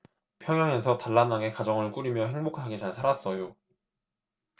평양에서 단란하게 가정을 꾸리며 행복하게 잘 살았어요